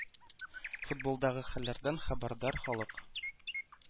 Футболдагы хәлләрдән хәбәрдар халык